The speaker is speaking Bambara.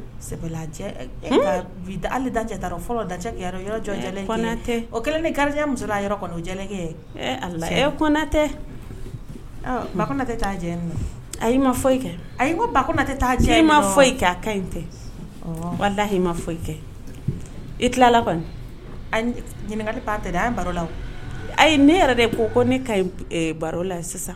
Sabula bi alita fɔlɔ datɛ o kɛlen ni gari muso yɔrɔkɛ kotɛ batɛ taa a ma foyi i kɛ a ko batɛ' ma fɔ kɛ a ka ɲi tɛ lahi ma foyi i kɛ i tila la kɔni ɲininka tɛ a ye baro la ayi ne yɛrɛ de ko ko ne ka baro la sisan